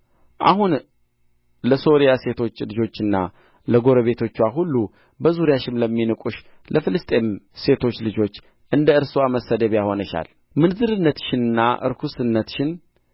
አሁን ለሶርያ ሴቶች ልጆችና ለጎረቤቶችዋ ሁሉ በዙሪያሽም ለሚንቁሽ ለፍልስጥኤም ሴቶች ልጆች እንደ እርስዋ መሰደቢያ ሆነሻል ምንዝርነትሽንና ርኵስነትሽን